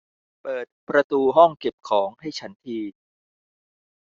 เปิดประตูห้องเก็บของให้ฉันที